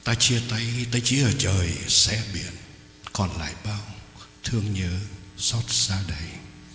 ta chia tay ta chia trời se biển còn lại bao thương nhớ xót xa đầy